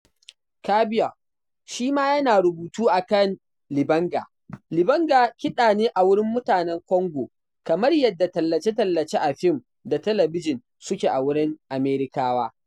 Cabiau shi ma yana rubutu a kan ''libanga''. Libanga kiɗa ne a wurin mutanen Congo kamar yadda tallace-tallace a fim da talabijin suke a wurin Amerikawa.